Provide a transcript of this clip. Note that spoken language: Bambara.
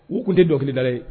U tun tɛ dɔnkilikilidalen ye